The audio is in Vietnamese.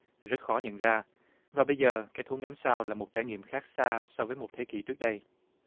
rất khó nhận ra và bây giờ cái thú ngắm sao là một trải nghiệm khác xa so với một thế kỷ trước đây